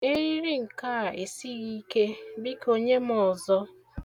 Eriri nke a esighị ike, biko nye m ọzọ.